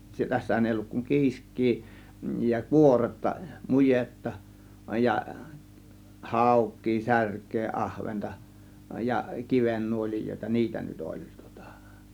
tässähän ei ollut kuin kiiskeä ja kuoretta mujetta ja haukea särkeä ahventa ja kivennuolijoita niitä nyt oli tuota